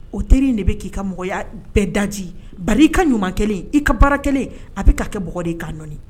O teri in de bɛ k'i ka mɔgɔya bɛɛ daji bari i ka ɲuman kɛlen i ka baara kɛlen a bɛ ka kɛ bɔgɔ de ye k'a nɔɔni